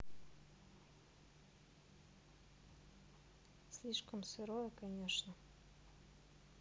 слишком сырое конечно